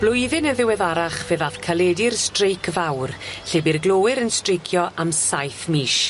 Blwyddyn y' ddiweddarach fe ddath caledu'r streic fawr lle bu'r glowyr yn streicio am saith mis.